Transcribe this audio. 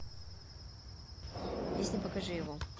песня покажи его